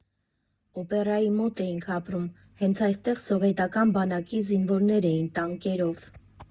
Օպերայի մոտ էինք ապրում, հենց այստեղ սովետական բանակի զինվորներ էին տանկերով։